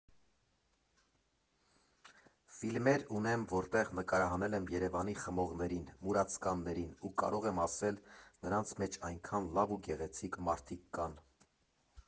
Ֆիլմեր ունեմ, որտեղ նկարահանել եմ Երևանի խմողներին, մուրացկաններին ու կարող եմ ասել, նրանց մեջ այնքան լավ ու գեղեցիկ մարդիկ կան։